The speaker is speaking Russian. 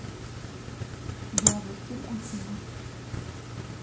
деловой стиль афина